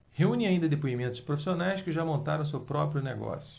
reúne ainda depoimentos de profissionais que já montaram seu próprio negócio